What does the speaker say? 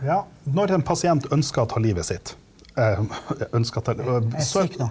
ja, når en pasient ønsker å ta livet sitt ønsker å ta .